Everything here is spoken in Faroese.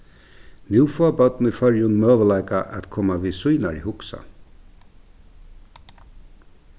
nú fáa børn í føroyum møguleika at koma við sínari hugsan